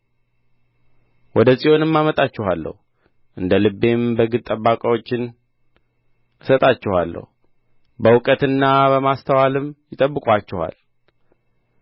ወደ ጽዮንም አመጣችኋለሁ እንደ ልቤም በግ ጠባቆችን እሰጣችኋለሁ በእውቀትና በማስተዋልም ይጠብቁአችኋል